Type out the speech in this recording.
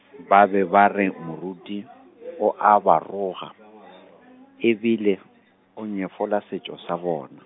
ba be ba re moruti, o a ba roga , e bile, o nyefola setšo sa bona.